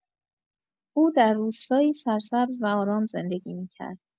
او در روستایی سرسبز و آرام زندگی می‌کرد.